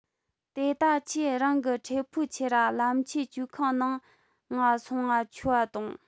དེ ད ཁྱོས རང གི ཁྲེ ཕིའོ ཁྱེར ར ལམ ཆས བཅོའུ ཁང ནང ང སོང ང ཆོའུ འ ཐོངས